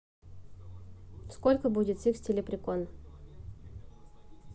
сколько будет sixty лепрекон